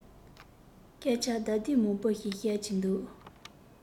སྐད ཆ ལྡབ ལྡིབ མང པོ ཞིག བཤད ཀྱིན འདུག